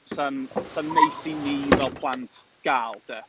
Sa'n sa'n neis i ni fel plant gael, de.